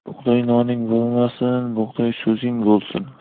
bug'doy noning bo'lmasin bug'doy so'zing bo'lsin